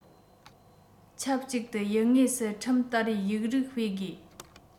ཆབས ཅིག ཏུ ཡུལ དངོས སུ ཁྲིམས བསྟར ཡིག རིགས སྤེལ དགོས